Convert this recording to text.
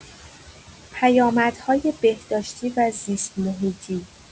پیامدهای بهداشتی و زیست‌محیطی